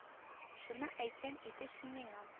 Шуны әйтсәң иде син миңа